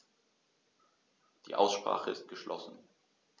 Die Aussprache ist geschlossen.